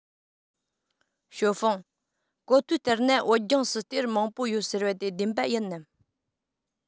ཞའོ ཧྥུང གོ ཐོས ལྟར ན བོད ལྗོངས སུ གཏེར མང པོ ཡོད ཟེར བ དེ བདེན པ ཡིན ནམ